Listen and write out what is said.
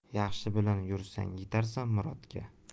yaxshi bilan yursang yetarsan murodga